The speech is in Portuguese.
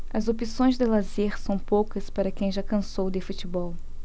as opções de lazer são poucas para quem já cansou de futebol